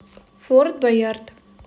форд боярд